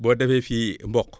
boo defee fii mboq